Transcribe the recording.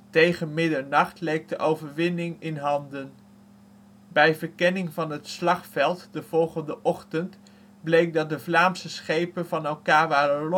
Tegen middernacht leek de overwinning in handen. Bij verkenning van het slagveld de volgende ochtend, bleek dat De Vlaamse schepen van elkaar waren losgeraakt